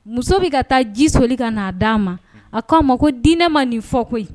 Muso bɛ ka taa ji soli ka n'a d'a ma a k'a ma ko diinɛ ma nin fɔ koyi